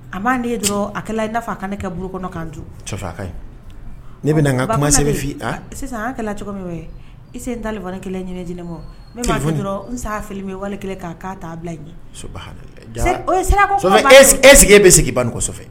A' a i ka ne kɛ bulon kɔnɔ kan ne bɛ kuma sɛbɛn fɔ sisan an kɛlɛ cogo min i ta kelen ɲini ma n fili bɛ wali ka'' bila e sigilen e bɛ segin i ban kɔfɛ